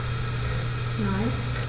Nein.